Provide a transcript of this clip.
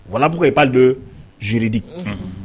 Walanbugu i b'a don zioiridi un